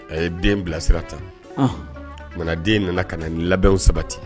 A ye den bilasira tan, unhun, o kuma a den nana ka na labɛnw sabati.